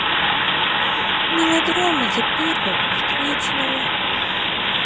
мелодрама за первого встречного